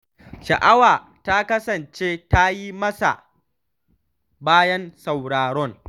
Sha’awa ta kasance ta yi sama bayan sauraron.